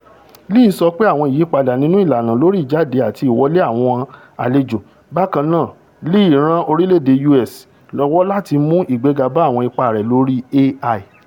Lee sọ pé àwọn ìyípadà nínú ìlàna lórí ìjáde àti ìwọlé àwọn àlejò bákannáà leè ran orílẹ̀-èdè U.S. lọ́wọ́ láti mú ìgbéga bá àwọn ipá rẹ̀ lórí AI.